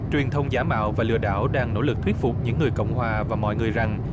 truyền thông giả mạo và lừa đảo đang nỗ lực thuyết phục những người cộng hòa và mọi người rằng